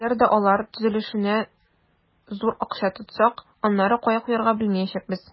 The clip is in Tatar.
Әгәр дә алар төзелешенә зур акча тотсак, аннары кая куярга белмәячәкбез.